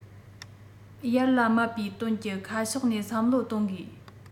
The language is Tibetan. ཡར ལ སྨད པའི དོན གྱི ཁ ཕྱོགས ནས བསམ བློ གཏོང དགོས